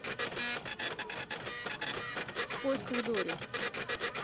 в поисках дорри